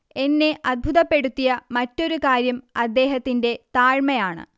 എന്നെ അദ്ഭുതപ്പെടുത്തിയ മറ്റൊരു കാര്യം അദ്ദേഹത്തിന്റെ താഴ്മയാണ്